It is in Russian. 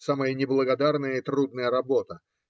Самая неблагодарная и трудная работа.